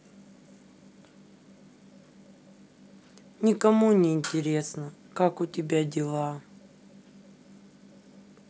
никому не интересно как у тебя дела